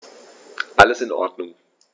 Alles in Ordnung.